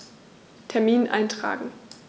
Termin eintragen